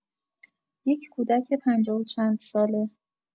یک کودک پنجاه و چند ساله.